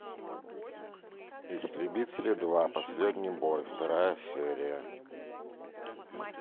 истребители два последний бой вторая серия